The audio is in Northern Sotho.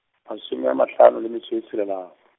masome a mahlano, le metšo e tshelela .